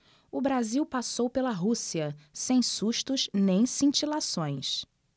o brasil passou pela rússia sem sustos nem cintilações